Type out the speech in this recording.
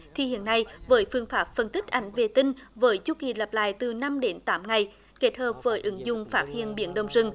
thì hiện nay với phương pháp phân tích ảnh vệ tinh với chu kỳ lặp lại từ năm đến tám ngày kết hợp với ứng dụng phát hiện biến động rừng